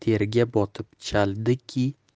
terga botib chaldiki